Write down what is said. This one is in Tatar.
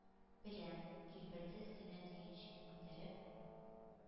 Беләм, килбәтсез генә төенчеген күтәреп,